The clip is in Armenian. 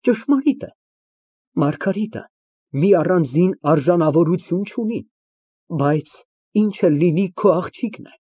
Ճշմարիտ է, Մարգարիտը մի առանձին արժանավորություն չունի, բայց ինչ էլ լինի, քո աղջիկն է։